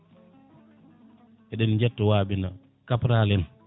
eɗen jetta waaɓe no caporal en